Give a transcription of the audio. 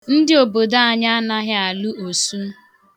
Ndị obodo anyị anaghị alụ osu.